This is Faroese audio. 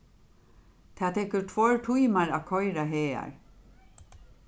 tað tekur tveir tímar at koyra hagar